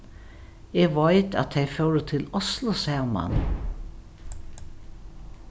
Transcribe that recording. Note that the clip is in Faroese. eg veit at tey fóru til oslo saman